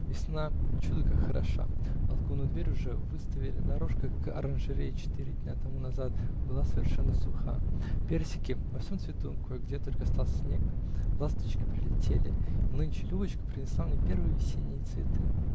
Весна чудо как хороша: балконную дверь уж выставили, дорожка к оранжерее четыре дня тому назад была совершенно суха, персики во всем цвету кой-где только остался снег, ласточки прилетели, и нынче Любочка принесла мне первые весенние цветы.